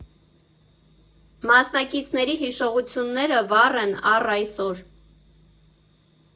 Մասնակիցների հիշողությունները վառ են առ այսօր։